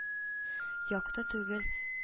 Якты түгел